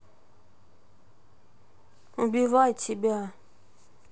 убивай тебя